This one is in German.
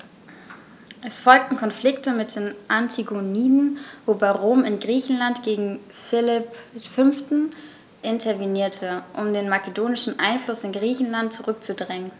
Es folgten Konflikte mit den Antigoniden, wobei Rom in Griechenland gegen Philipp V. intervenierte, um den makedonischen Einfluss in Griechenland zurückzudrängen.